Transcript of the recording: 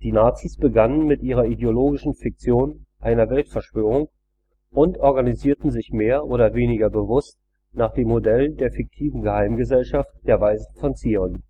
Nazis begannen mit ihrer ideologischen Fiktion einer Weltverschwörung und organisierten sich mehr oder weniger bewußt nach dem Modell der fiktiven Geheimgesellschaft der Weisen von Zion